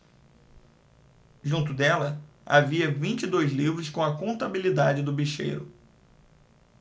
junto dela havia vinte e dois livros com a contabilidade do bicheiro